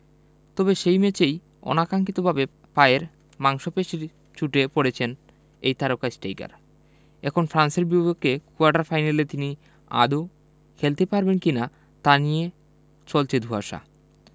তবে সেই ম্যাচেই অনাকাঙ্ক্ষিতভাবে পায়ের মাংসপেশির চোটে পড়েছেন এই তারকা স্টাইকার এখন ফ্রান্সের বিপক্ষে কোয়ার্টার ফাইনালে তিনি আদৌ খেলতে পারবেন কি না তা নিয়ে চলছে ধোঁয়াশা